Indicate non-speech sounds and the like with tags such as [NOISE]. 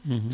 [HESITATION] [HESITATION]